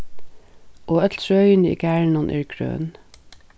og øll trøini í garðinum eru grøn